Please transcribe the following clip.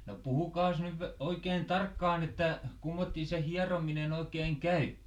no puhukaas nyt - oikein tarkkaan että kummottoos se hierominen oikein käy